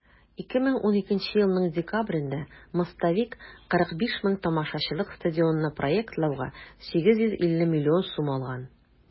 2012 елның декабрендә "мостовик" 45 мең тамашачылык стадионны проектлауга 850 миллион сум алган.